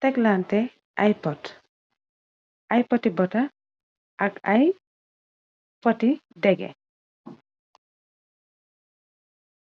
teglanté aipot aipoti bota ak ay foti dege.